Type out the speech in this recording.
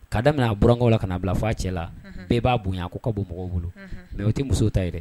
Ka daminɛ burankɛ la kana na bila f a cɛla la bɛɛ b'a bonya k' ka bɔ mɔgɔw bolo mɛ o tɛ musow ta yɛrɛ